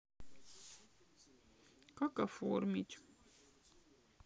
как оформить